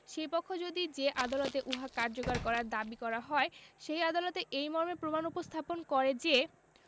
সেই পক্ষ যদি যে আদালতে উহা কার্যকর করার দাবী করা হয় সেই আদালতে এই মর্মে প্রমাণ উপস্থাপন করে যে